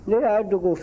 ne y'a dogo